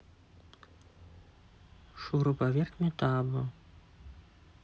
шуруповерт метабо